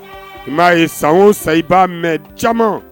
I ma ye san o san, i b'a mɛn caman